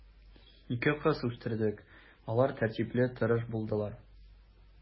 Ике кыз үстердек, алар тәртипле, тырыш булдылар.